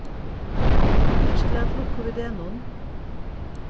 hjartaliga til lukku við degnum